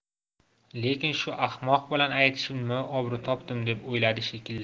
lekin shu ahmoq bilan aytishib nima obro' topdim deb o'yladi shekilli